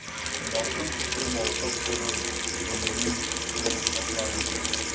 Ялкын төсле балкып торыр гомернең ул чаклары.